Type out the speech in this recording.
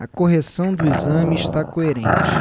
a correção do exame está coerente